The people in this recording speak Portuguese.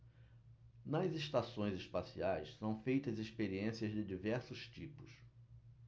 nas estações espaciais são feitas experiências de diversos tipos